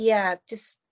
ia jys